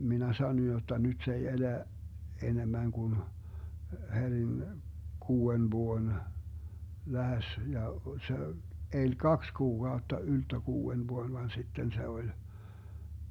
minä sanoin jotta nyt se ei elä enemmän kuin herin kuuden vuoden lähes ja se eli kaksi kuukautta ylttö kuuden vuoden vaan sitten se oli